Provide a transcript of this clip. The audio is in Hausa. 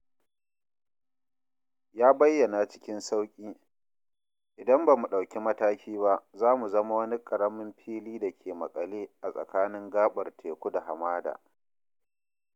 Ya bayyana cikin sauƙi: "Idan ba mu ɗauki mataki ba, za mu zama wani ƙaramin fili da ke maƙale a tsakanin gaɓar teku da hamada."